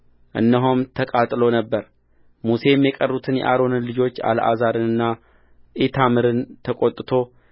እነሆም ተቃጥሎ ነበር ሙሴም የቀሩትን የአሮንን ልጆች አልአዛርንና ኢታምርን ተቈጥቶ